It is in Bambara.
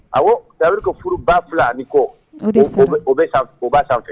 A dari ka furu ba fila ani ko sɛbɛnba fɛ